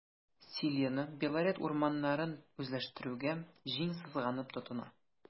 “селена” белорет урманнарын үзләштерүгә җиң сызганып тотына.